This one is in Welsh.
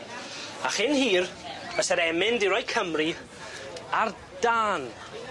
A chyn hir fysa'r emyn 'di roi Cymru ar dân.